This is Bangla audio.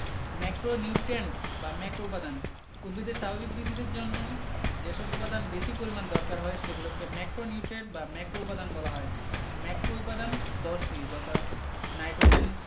ম্যাক্রোনিউট্রিয়েন্ট বা ম্যাক্রোউপাদান উদ্ভিদের স্বাভাবিক বৃদ্ধিদের জন্য যেসব উপাদান বেশি পরিমাণে দরকার হয় সেগুলোকে ম্যাক্রোনিউট্রেট বা ম্যাক্রোউপাদান বলা হয় ম্যাক্রোউপাদান ১০ টি যথা নাইটোজেন